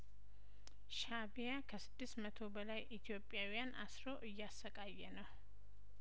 ሻእቢያ ከስድስት መቶ በላይ ኢትዮጵያውያን አስሮ እያሰቃየነው